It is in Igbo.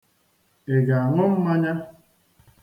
Ị ga-aṅụ mmanya?